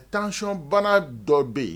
Tension bana dɔ bɛ yen.